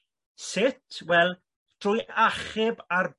Sut? Wel drwy achub ar